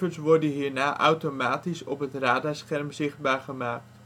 worden hierna automatisch op het radarscherm zichtbaar gemaakt